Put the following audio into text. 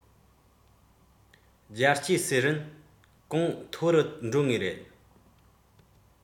རྒྱལ སྤྱིའི གསེར རིན གོང མཐོ རུ འགྲོ ངེས རེད